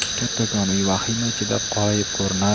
kattakon uy vahima ichida qorayib ko'rinar